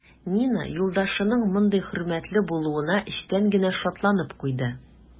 Нина юлдашының мондый хөрмәтле булуына эчтән генә шатланып куйды.